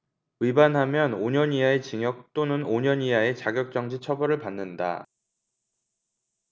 위반하면 오 년 이하의 징역 또는 오 년 이하의 자격정지 처벌을 받는다